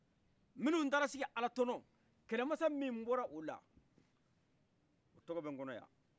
minu taara sigi alatɔnɔ kɛlɛmasa mun bɔr' ola u tɔgɔ bɛ nkɔno